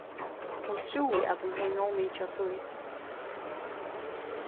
hon trúði at hon hevði nóg mikið av tíð